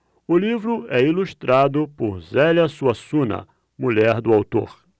o livro é ilustrado por zélia suassuna mulher do autor